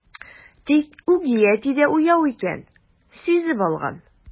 Тик үги әти дә уяу икән, сизеп алган.